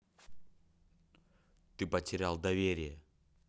ты потерял доверие